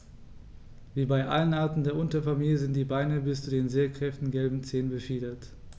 Wie bei allen Arten der Unterfamilie sind die Beine bis zu den sehr kräftigen gelben Zehen befiedert.